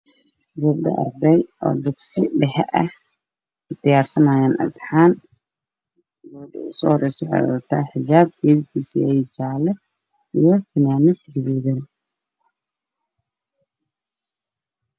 Waa gabar cashar qoreyso